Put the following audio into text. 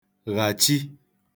-ghàchi